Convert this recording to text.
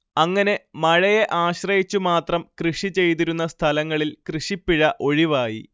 അങ്ങനെ മഴയെ ആശ്രയിച്ചു മാത്രം കൃഷി ചെയ്തിരുന്ന സ്ഥലങ്ങളിൽ കൃഷിപ്പിഴ ഒഴിവായി